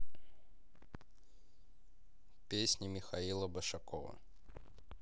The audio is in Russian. песни михаила башакова